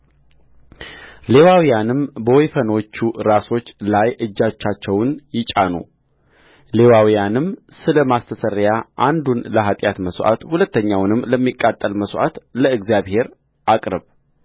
ሌዋውያኑም በወይፈኖቹ ራሶች ላይ እጆቻቸውን ይጫኑ ለሌዋውያንም ስለ ማስተስረያ አንዱን ለኃጢአት መሥዋዕት ሁለተኛውንም ለሚቃጠል መሥዋዕት ለእግዚአብሔር አቅርብ